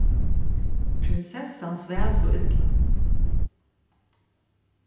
prinsessan svav so illa